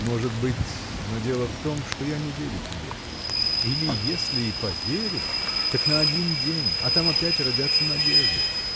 — Может быть, но дело в том, что я не верю тебе: или если и поверю, так на один день, а там опять родятся надежды.